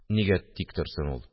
Нигә тик торсын ул